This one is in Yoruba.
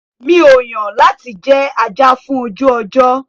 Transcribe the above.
Mi ò yàn láti jẹ́ ajà-fún-ojú-ọjọ́.